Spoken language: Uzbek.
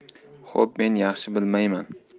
xo'p men yaxshi bilmayman